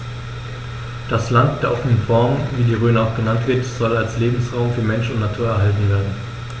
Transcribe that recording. Das „Land der offenen Fernen“, wie die Rhön auch genannt wird, soll als Lebensraum für Mensch und Natur erhalten werden.